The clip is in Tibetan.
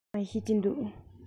ཏོག ཙམ ཤེས ཀྱི འདུག